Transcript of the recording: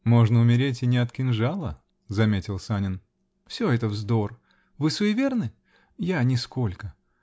-- Можно умереть и не от кинжала, -- заметил Санин. -- Все это вздор! Вы суеверны? Я -- нисколько.